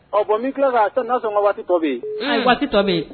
Ɔ bɔn min tila la a ka n'a sɔn waati tobi yen waati tobi